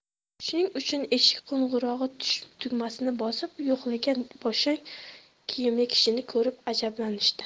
shuning uchun eshik qo'ng'irog'i tugmasini bosib yo'qlagan bashang kiyimli kishini ko'rib ajablanishdi